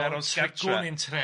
i'n tref